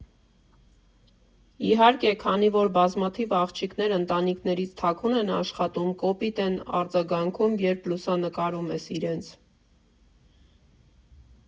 Իհարկե, քանի որ բազմաթիվ աղջիկներ ընտանիքներից թաքուն են աշխատում՝ կոպիտ են արձագանքում, երբ լուսանկարում ես իրենց։